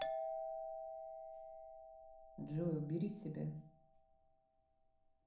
джой убери себя